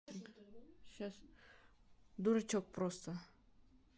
дурачок просто